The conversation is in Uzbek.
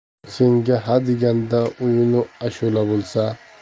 senga hadeganda o'yinu ashula bo'lsa